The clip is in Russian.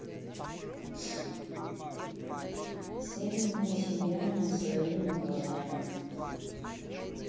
северное сияние своими глазами